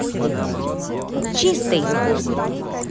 чистый